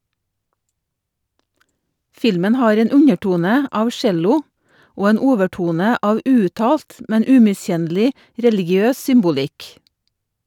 Filmen har en undertone av cello og en overtone av uuttalt, men umiskjennelig religiøs symbolikk.